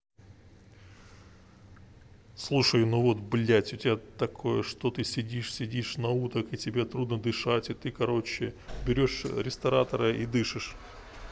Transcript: слушай ну вот будь у тебя такое что ты сидишь сидишь на уток и тебе трудно дышать и короче ты берешь ресторатора и дышишь